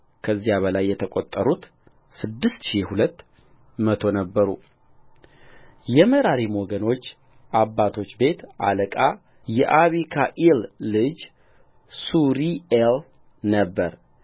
ከዚያም በላይ የተቈጠሩት ስድስት ሺህ ሁለት መቶ ነበሩየሜራሪም ወገኖች አባቶች ቤት አለቃ የአቢካኢል ልጅ ሱሪኤል ነበረ